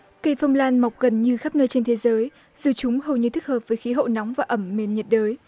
cây phong lan mọc gần như khắp nơi trên thế giới dù chúng hầu như thích hợp với khí hậu nóng và ẩm miền nhiệt đới